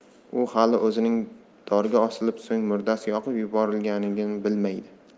u hali o'zining dorga osilib so'ng murdasi yoqib yuboril gani ni bilmaydi